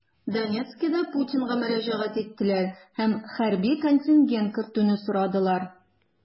Донецкида Путинга мөрәҗәгать иттеләр һәм хәрби контингент кертүне сорадылар.